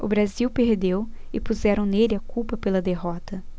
o brasil perdeu e puseram nele a culpa pela derrota